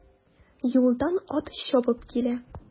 Юлдан ат чабып килә.